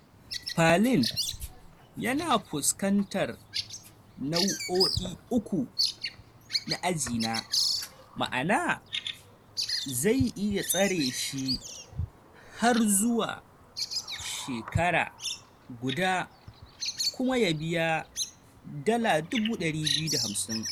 Palin yana fuskantar nau'o'i uku na Aji na, ma'ana zai iya tsare shi har zuwa shekara guda kuma ya biya $ 250,000.